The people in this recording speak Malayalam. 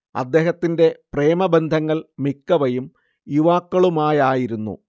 അദ്ദേഹത്തിന്റെ പ്രേമബന്ധങ്ങൾ മിക്കവയും യുവാക്കളുമായായിരുന്നു